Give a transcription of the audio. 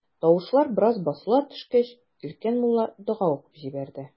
Тавышлар бераз басыла төшкәч, өлкән мулла дога укып җибәрде.